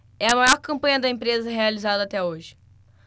é a maior campanha da empresa realizada até hoje